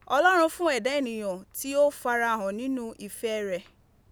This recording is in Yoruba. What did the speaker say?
Olorun fun eda eniyan ti o farahan ninu ife Re